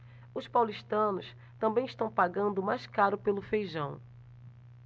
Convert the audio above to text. os paulistanos também estão pagando mais caro pelo feijão